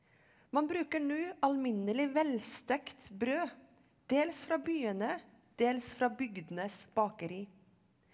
man bruker nu alminnelig, velstekt brød, dels fra byene, dels fra bygdenes bakeri.